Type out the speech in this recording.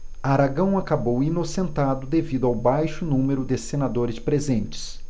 aragão acabou inocentado devido ao baixo número de senadores presentes